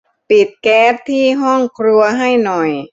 ปิดแก๊สที่ห้องครัวให้หน่อย